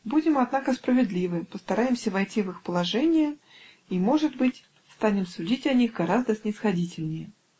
Будем, однако, справедливы, постараемся войти в их положение и, может быть, станем судить о них гораздо снисходительнее.